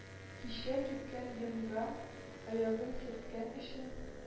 .кичә, кипкән йонга аягын сөрткән өчен,